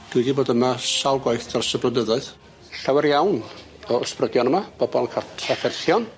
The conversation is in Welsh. Dwy 'di bod yma sawl gwaith dros y blynyddoedd llawer iawn o'r ysbrydion yma, bobol yn ca'l trafferthion.